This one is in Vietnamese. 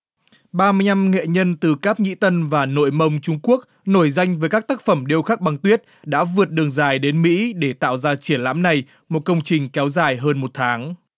ba mươi nhăm nghệ nhân từ cáp nhĩ tân và nội mông trung quốc nổi danh với các tác phẩm điêu khắc băng tuyết đã vượt đường dài đến mỹ để tạo ra triển lãm này một công trình kéo dài hơn một tháng